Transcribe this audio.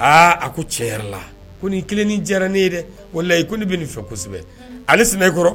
Aaa a ko tiɲɛ yɛrɛ la, ko nin kelen nin diyara ne ye dɛ ko walayi ko ne bɛ nin fɛ. Ale sɛnɛ i kɔrɔ